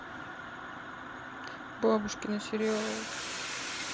бабушкины сериалы